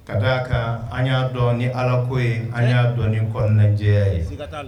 Ka d a kan an y'a dɔn ni alako ye an y'a dɔn ni kɔnɛjɛya ye